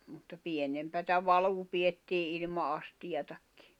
mutta pienempää valua pidettiin ilman astiaakin